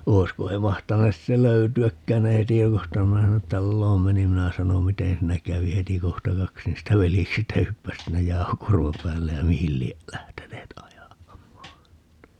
olisiko he mahtaneet sitten löytyäkään ne ei tiedustanut kun minä sinne taloon menin minä sanoin miten siinä kävi heti kohta kaksi niistä veljeksistä hyppäsi sinne jauhokuorman päälle ja mihin lie lähteneet ajamaan